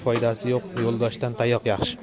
foydasi yo'q yo'ldoshdan tayoq yaxshi